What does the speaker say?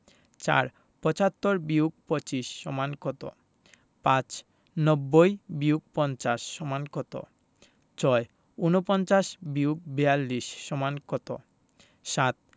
৪ ৭৫-২৫ = কত ৫ ৯০-৫০ = কত ৬ ৪৯-৪২ = কত ৭